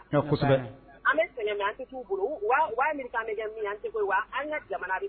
An bɛ sɛgɛn bolo wa wa min min tɛ bolo wa an ka jamana